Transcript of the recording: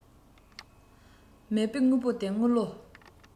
མེད པའི དངོས པོ དེ དངུལ ལོར